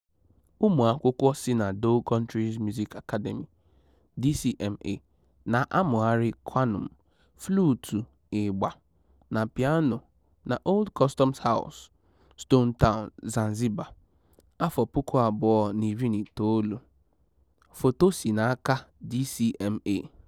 Ụmụakwụkwọ si na Dhow Countries Music Academy (DCMA) na-amụgharị qanun, fluutu, ịgba na pịano na Old Customs House, Stone Town, Zanzibar, 2019. Foto si n'aka DCMA.